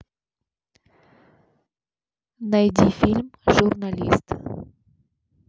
найди фильм журналист